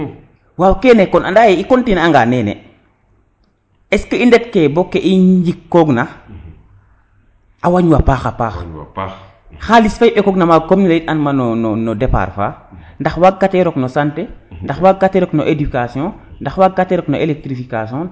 waw kene andaye i continuer anga nene est ce que i ndet ko bo ke njik wo gina a wañ wa paxa paax xalis fe i mbekong na maga comme ne leyit at ma no depart fa nda waag kate rok no santé ndax waag kate rok no éducation ndax waag kate rok no électrification